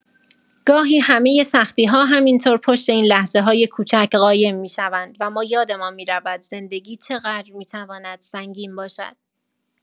گاهی همه سختی‌ها همین‌طور پشت این لحظه‌های کوچک قایم می‌شوند و ما یادمان می‌رود زندگی چقدر می‌تواند سنگین باشد.